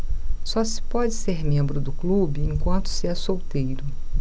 só se pode ser membro do clube enquanto se é solteiro